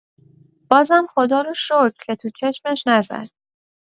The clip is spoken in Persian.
بازم خدا رو شکر که تو چشمش نزد.